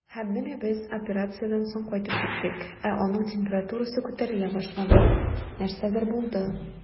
Һәм менә без операциядән соң кайтып киттек, ә аның температурасы күтәрелә башлады, нәрсәдер булды.